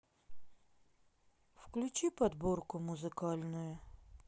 включи подборку музыкальную